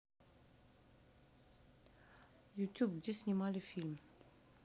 youtube где снимали фильм